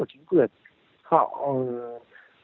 của chính quyền họ